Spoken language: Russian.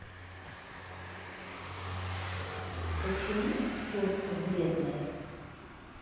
почему соль вредная